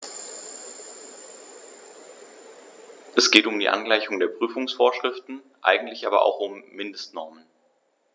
Es geht um die Angleichung der Prüfungsvorschriften, eigentlich aber auch um Mindestnormen.